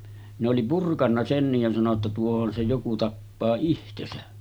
ne oli purkanut senkin ja sanoi jotta tuohon se joku tappaa itsensä